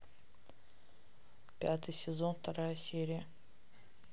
пятый сезон вторая серия